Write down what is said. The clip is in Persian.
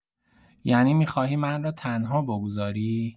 یعنی می‌خواهی من را تنها بگذاری؟!